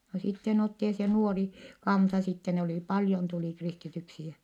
no sitten otti ja se nuori kanssa sitten ne oli paljon tuli kristityksi ja